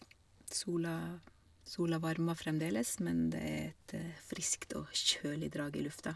sola Sola varmer fremdeles, men det er et friskt og kjølig drag i lufta.